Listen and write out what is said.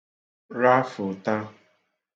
rafə̣̀ta